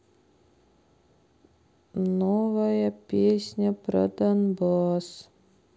новая песня про донбасс